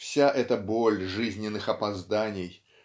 вся эта боль жизненных опозданий